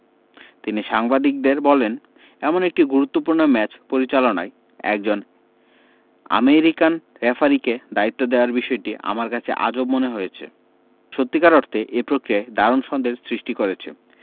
তিনি সাংবাদিকদের বলেন এমন একটি গুরুত্বপূর্ণ ম্যাচ পরিচালনায় একজন আমেরিকান রেফারিকে দায়িত্ব দেয়ার বিষয়টি আমার কাছে আজব মনে হয়েছে সত্যিকার অর্থে এই প্রক্রিয়ায় দারুণ সন্দেহের সৃষ্টি করেছে